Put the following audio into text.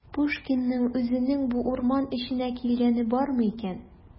Пушкинның үзенең бу урман эченә килгәне бармы икән?